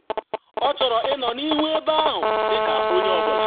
Ọ chọrọ ịnọ n’ihu ebe ahụ, dị ka onye ọ bụla.”